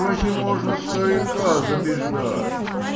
Разве можно старика забиждать?